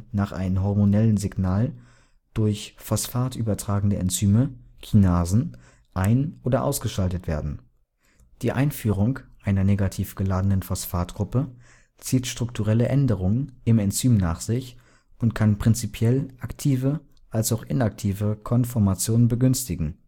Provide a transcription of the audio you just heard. nach einem hormonellen Signal durch phosphat-übertragende Enzyme (Kinasen) ein - oder ausgeschaltet werden. Die Einführung einer negativ geladenen Phosphatgruppe zieht strukturelle Änderungen im Enzym nach sich und kann prinzipiell aktive als auch inaktive Konformationen begünstigen